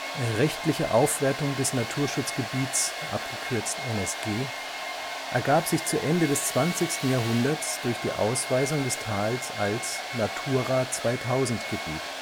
rechtliche Aufwertung des Naturschutzgebiets (NSG) ergab sich zu Ende des 20. Jahrhunderts durch die Ausweisung des Tals als Natura-2000-Gebiet